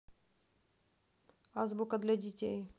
азбука для детей